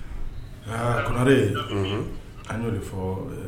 Aa konare, an yo de fɔ